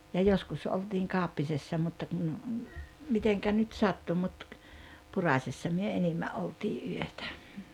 ja joskus oltiin Kauppisessa mutta kun miten nyt sattui mutta Purasessa me enimmän oltiin yötä